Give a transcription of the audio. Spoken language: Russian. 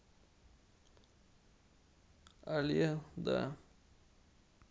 але да